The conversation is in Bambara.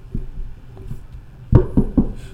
Wa